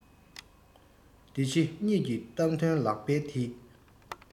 འདི ཕྱི གཉིས ཀྱི གཏམ དོན ལག པའི མཐིལ